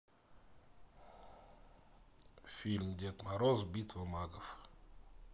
фильм дед мороз битва магов